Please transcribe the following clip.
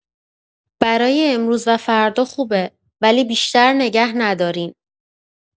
برای امروز و فردا خوبه، ولی بیشتر نگه ندارین.